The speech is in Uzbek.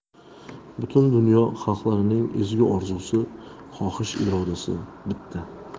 butun dunyo xalqlarining ezgu orzusi xohish irodasi bitta